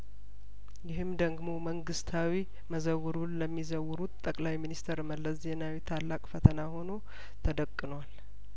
ይህም ደግሞ መንግስታዊ መዘው ሩን ለሚ ዘውሩት ጠቅላይሚኒስተር መለስ ዜናዊ ታላቅ ፈተና ሆኖ ተደቅ ኗል